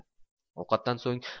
ovqatdan so'ng